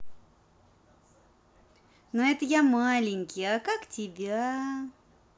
ну это я маленький а как тебя